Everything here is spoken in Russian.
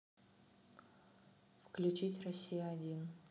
включить россия один